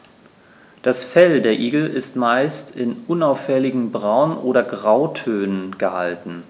Das Fell der Igel ist meist in unauffälligen Braun- oder Grautönen gehalten.